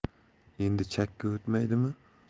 endi chakka o'tmaydimi